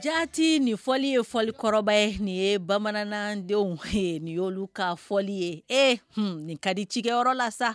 Jaati nin fɔli ye fɔli kɔrɔba ye. Nin ye nin ye bamanana denw . Hee, nin y'olu ka fɔli ye. Hee hun nin ka di cikɛ yɔrɔla saa!